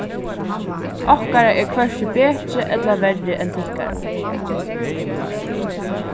okkara er hvørki betri ella verri enn tykkara